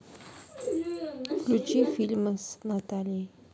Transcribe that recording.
включи фильмы с натальей